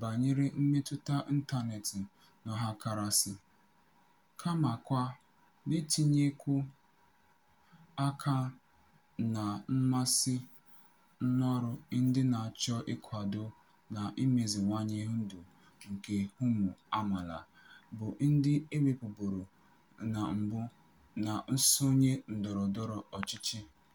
banyere mmetụta ịntaneetị n'ọhakarasị, kamakwa n'itinyekwu aka na mmasị n'ọrụ ndị na-achọ ịkwado na imeziwanye ndụ nke ụmụ amaala bụ ndị a wepụburu na mbụ na nsonye ndọrọndọrọ ọchịchị.